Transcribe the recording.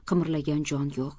qimirlagan jon yo'q